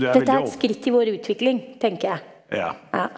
dette er et skritt i vår utvikling, tenker jeg ja.